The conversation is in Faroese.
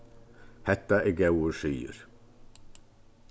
hetta er góður siður